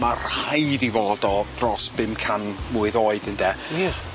Ma' rhaid 'i fod o dros bum can mlwydd oed ynde? Ie.